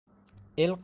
el qo'ngan yerda